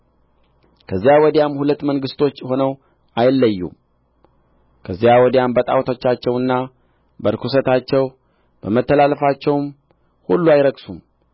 ከዚያ ወዲያ ሁለት ሕዝብ አይሆኑም ከዚያ ወዲያም ሁለት መንግሥቶች ሆነው አይለዩም ከዚያ ወዲያም በጣዖቶቻቸውና በርኵሰታቸው በመተላለፋቸውም ሁሉ አይረክሱም